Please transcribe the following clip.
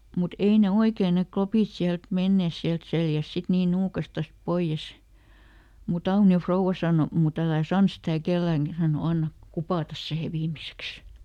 mutta ei ne oikein ne klopit sieltä menneet sieltä selästä sitten niin nuukastaan pois mutta Aunion rouva sanoi mutta älä sano sitä kenellekään hän sanoi anna kupata siihen viimeiseksi